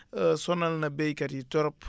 sonal na béykat yi trop